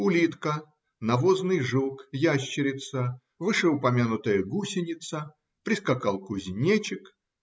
улитка, навозный жук, ящерица, вышеупомянутая гусеница прискакал кузнечик.